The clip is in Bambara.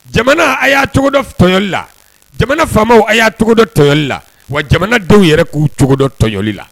Jamana a y' a cogo dɔ tɔɲɔli la ,jamana faama a y'a cogo don tɔɲɔli la, wa jamana denw yɛrɛ k'u cogo don tɔɲɔli la.